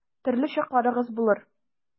Төрле чакларыгыз булыр.